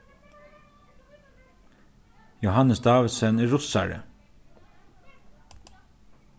johannes davidsen er russari